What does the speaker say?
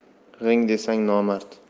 g'ing degan nomard